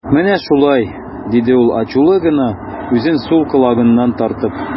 Менә шулай, - диде ул ачулы гына, үзен сул колагыннан тартып.